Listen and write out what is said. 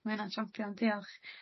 Ma 'ynna'n champion diolch.